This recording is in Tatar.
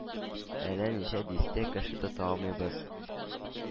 Әллә ничә дистә кеше тота алмыйбыз.